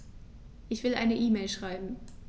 Ich will eine E-Mail schreiben.